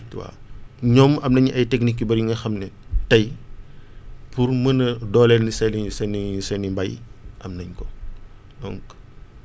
waaw ñoom am nañu ay techniques yu bëri yi nga xam ne tey pour mën a dooleel seen i seen i seen i mbéy am nañ ko donc